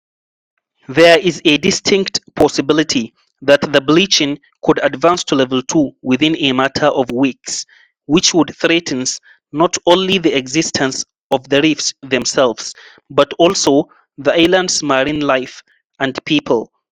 There is a distinct possibility that the bleaching could advance to Level Two within a matter of weeks, which would threatens not only the existence of the reefs themselves, but also the island's marine life and people.